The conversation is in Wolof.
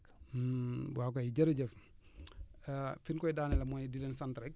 waaw kay jërëjëf fi ñu koy daaneelee mooy di leen sant rek